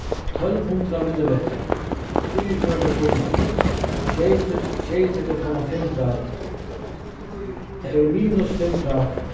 tólv hundrað millimetrar trýogfjøruti tummar sjeyogtretivu komma fimm gradir tað eru minus fimm gradir